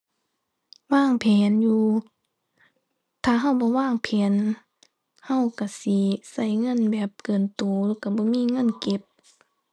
วางแผนอยู่ ถ้าเราบ่วางแผน เราเราสิเราเงินแบบเกินเราแล้วเราบ่มีเงินเก็บ